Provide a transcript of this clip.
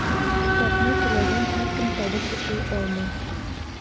Китапны теләгән һәркем табып укый алмый.